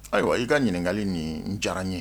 Ayiwa y' ka ɲininkakali nin diyara n ye